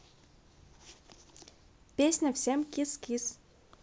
песня всем kiss kiss